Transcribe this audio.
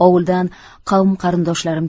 ovuldan qavm qarindoshlarim